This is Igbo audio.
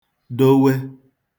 dowe